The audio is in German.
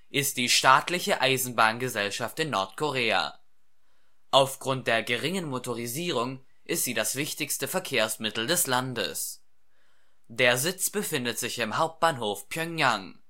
ist die staatliche Eisenbahngesellschaft in Nordkorea. Aufgrund der geringen Motorisierung ist sie das wichtigste Verkehrsmittel des Landes. Der Sitz befindet sich im Hauptbahnhof Pjöngjang